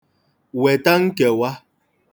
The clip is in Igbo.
wèta nkèwa